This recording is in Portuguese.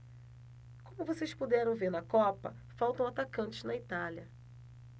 como vocês puderam ver na copa faltam atacantes na itália